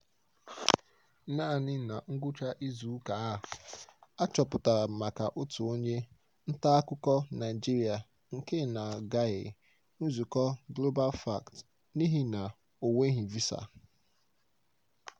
Naanị na ngwụcha izuụka a, a chọpụtara m maka otu onye ntaakụkọ Naịjirịa nke n'agaghị nzụkọ GlobalFact n'ihi na o nweghị visa.